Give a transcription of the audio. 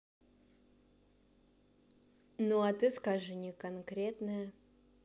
ну а ты скажи не конкретное